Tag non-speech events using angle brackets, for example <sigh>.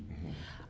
<hesitation> <hesitation>